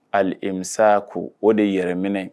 Alimisa ko o de yɛrɛ minɛ